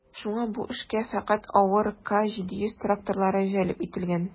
Шуңа бу эшкә фәкать авыр К-700 тракторлары җәлеп ителгән.